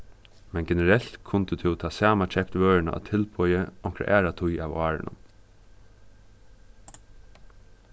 men generelt kundi tú tað sama keypt vøruna á tilboði onkra aðra tíð av árinum